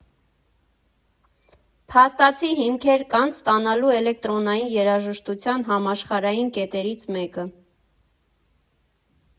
Փաստացի հիմքեր կան ստանալու էլեկտրոնային երաժշտության համաշխարհային կետերից մեկը։